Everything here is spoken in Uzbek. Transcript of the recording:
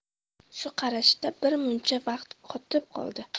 shu qarashda birmuncha vaqt qotib qoldi